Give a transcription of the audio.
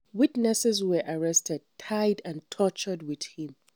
Witnesses were arrested, tied and tortured with him.